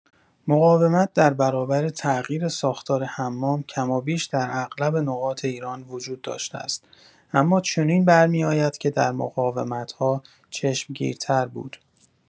مقاومت در برابر تغییر ساختار حمام کمابیش در اغلب نقاط ایران وجود داشته است اما چنین برمی‌آید که درمقاومت‌ها چشمگیرتر بود.